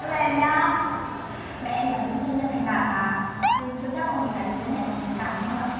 đấy nhá mẹ em là nữ doanh nhân thành đạt mà nên chưa chắc ông ấy đã đến với mẹ bằng tình cảm như anh ạ